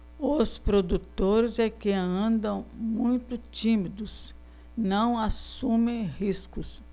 os produtores é que andam muito tímidos não assumem riscos